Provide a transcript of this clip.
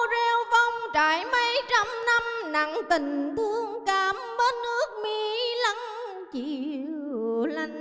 reo vong trải mấy trăm năm nặng tình thương cảm bến nước mi lăn chiều lạnh